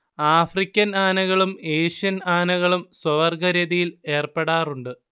African ആനകളും ഏഷ്യൻ ആനകളും സ്വവർഗ്ഗരതിയിൽ ഏർപ്പെടാറുണ്ട്